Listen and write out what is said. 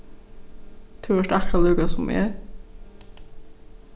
tú ert akkurát líka sum eg